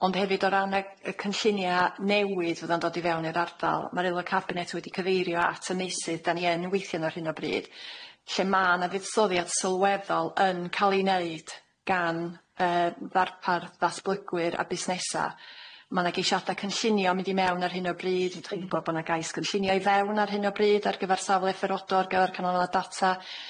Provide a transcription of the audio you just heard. Ond hefyd o ran ag- yy cynllunia newydd fydd o'n dod i fewn i'r ardal ma'r aelod Cabinet wedi cyfeirio at y meysydd dan ni yn weithio ar hyn o bryd lle ma' na fuddsoddiad sylweddol yn ca'l ei neud gan yy ddarpar ddatblygwyr a busnesa ma' na geisiada cynllunio'n mynd i mewn ar hyn o bryd dach chi'n gwbo' bo' na gais cynllunio i fewn ar hyn o bryd ar gyfar safle fferodo ar gyfar canoliad data.